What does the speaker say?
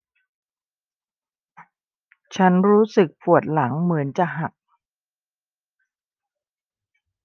ฉันรู้สึกปวดหลังเหมือนจะหัก